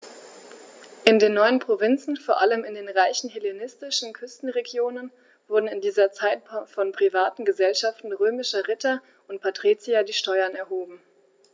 In den neuen Provinzen, vor allem in den reichen hellenistischen Küstenregionen, wurden in dieser Zeit von privaten „Gesellschaften“ römischer Ritter und Patrizier die Steuern erhoben.